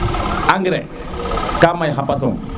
engrais ka may xa pasong